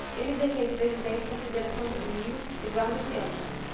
ele defende o presidente da federação do rio eduardo viana